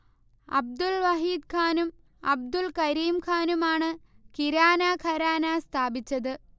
അബ്ദുൽ വഹീദ്ഖാനും അബ്ദുൽ കരീംഖാനുമാണ് കിരാന ഘരാന സ്ഥാപിച്ചത്